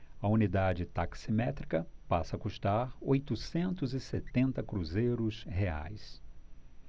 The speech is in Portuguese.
a unidade taximétrica passa a custar oitocentos e setenta cruzeiros reais